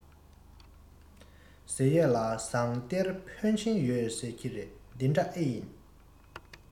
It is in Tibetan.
ཟེར ཡས ལ ཟངས གཏེར འཕོན ཆེན ཡོད རེད ཟེར གྱིས དེ འདྲ ཨེ ཡིན